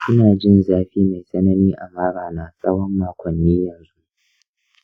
ina jin zafi mai tsanani a mara na tsawon makonni yanzu.